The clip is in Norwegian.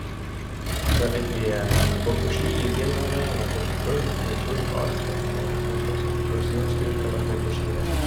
Så der fikk vi gått på ski i finværet og gått på pulk med pulk og alt og og kost oss og kjørt snøskuter og vært med på skirenn.